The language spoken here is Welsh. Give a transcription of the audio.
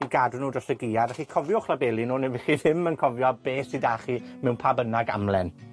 i gadw nw dros y gia. Felly cofiwch labelu nw ne' fy' chi ddim yn cofio beth sy 'da chi mewn pa bynnag amlen.